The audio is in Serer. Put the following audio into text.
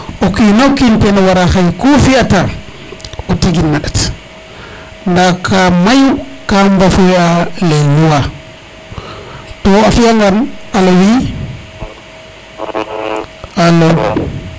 o kino kiin ten wara xaƴ ku o fiya ta o tegin na ndat nda ka mayu ka Bafouet a les lois to a fiya ngan alo oui alo